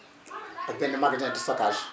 ak benn magasin de stockage